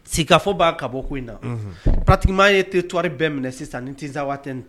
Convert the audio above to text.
Sika fɔ b'a ka bɔ ko in na patima ye te cri bɛɛ minɛ sisan ni tɛsaaat